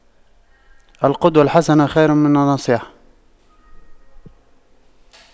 القدوة الحسنة خير من النصيحة